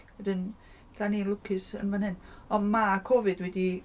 Wedyn dan ni'n lwcus yn fan hyn, ond ma' Covid wedi...